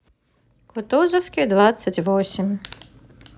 кутузовский двадцать восемь